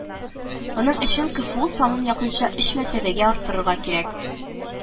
Моның өчен КэФэу санын якынча өч мәртәбәгә арттырырга кирәк